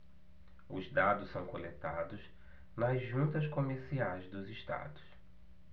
os dados são coletados nas juntas comerciais dos estados